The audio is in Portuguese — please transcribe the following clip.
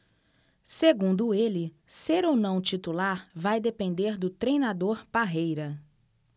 segundo ele ser ou não titular vai depender do treinador parreira